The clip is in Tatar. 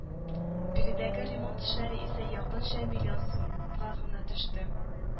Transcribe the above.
Биредәге ремонт эшләре исә якынча миллион сумга гына төште.